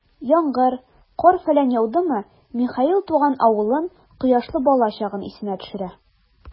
Яңгыр, кар-фәлән яудымы, Михаил туган авылын, кояшлы балачагын исенә төшерә.